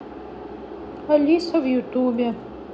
алиса в ютубе